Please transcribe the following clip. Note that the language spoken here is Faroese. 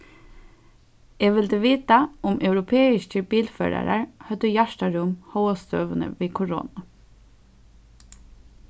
eg vildi vita um europeiskir bilførarar høvdu hjartarúm hóast støðuna við koronu